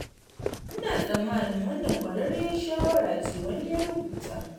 "Ina tsammanin wannan kwararriyar shawara ce,” wani ya rubuta.